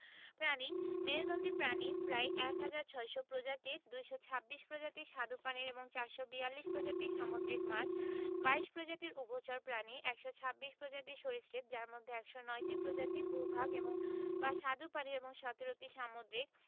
প্রাণীঃ মেরুদন্ডী প্রাণী প্রায় ১হাজার ৬০০ প্রজাতির ২২৬ প্রজাতির স্বাদু পানির এবং ৪৪২ প্রজাতির সামুদ্রিক মাছ ২২ প্রজাতির উভচর প্রাণী ১২৬ প্রজাতির সরীসৃপ যার মধ্যে ১০৯টি প্রজাতি ভূ ভাগ এবং বা স্বাদুপানির এবং ১৭টি সামুদ্রিক